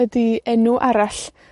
ydi enw arall